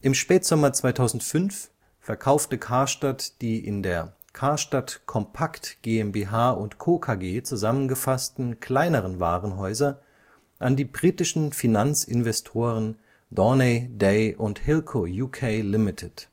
Im Spätsommer 2005 verkaufte Karstadt die in der „ Karstadt Kompakt GmbH & Co. KG “zusammengefassten, kleineren Warenhäuser an die britischen Finanzinvestoren Dawnay, Day und Hilco UK Ltd.